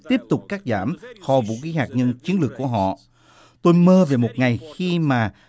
tiếp tục cắt giảm kho vũ khí hạt nhân chiến lược của họ tôi mơ về một ngày khi mà